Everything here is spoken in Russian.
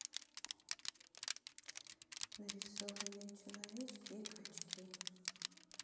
нарисованные человечки и качки